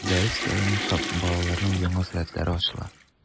Дәрес саен балаларның яңа сәләтләре ачыла.